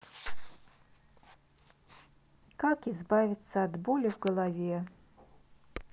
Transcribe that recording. как избавиться от боли в голове